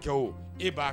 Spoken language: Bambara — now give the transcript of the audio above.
Kɛ wo, e b'a